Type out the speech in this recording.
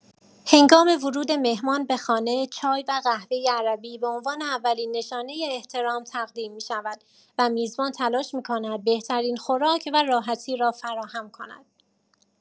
هنگام ورود مهمان به خانه، چای و قهوه عربی به عنوان اولین نشانه احترام تقدیم می‌شود و میزبان تلاش می‌کند بهترین خوراک و راحتی را فراهم کند.